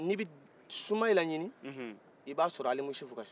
ni bɛ soumaila ɲinin i b'a sɔrɔ alimusufu k'a so